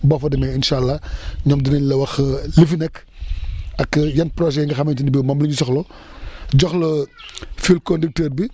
boo fa demee incha allah ñoom dinañ la wax li fi nekk ak yan projets yi nga xamante ni bii moom la ñu soxla jox la fil conducteur bi